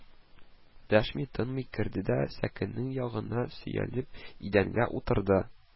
Дәшми-тынмый керде дә, сәкенең аягына сөялеп идәнгә утырды